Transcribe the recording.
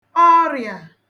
ọrị̀à